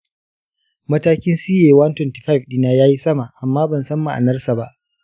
matakin ca-125 dina ya yi sama amma ban san ma’anarsa ba.